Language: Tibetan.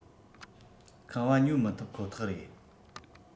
ཁང བ ཉོ མི ཐུབ ཁོ ཐག རེད